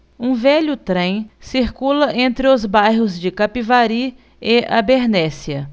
um velho trem circula entre os bairros de capivari e abernéssia